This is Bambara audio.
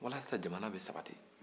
walasa jamana bɛ sabati